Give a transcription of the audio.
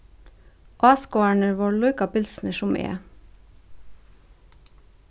áskoðararnir vóru líka bilsnir sum eg